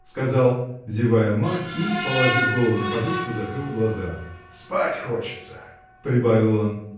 — сказал, зевая, Марк и, положив голову на подушку, закрыл глаза. — Спать хочется! — прибавил он.